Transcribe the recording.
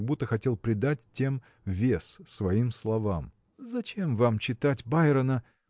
как будто хотел придать тем вес своим словам. – Зачем вам читать Байрона?